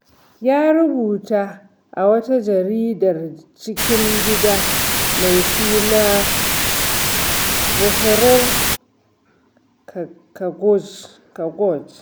Ya rubuta a wata jaridar cikin gida mai suna Bhorer Kagoj: